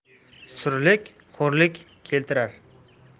surlik xo'rlik keltirar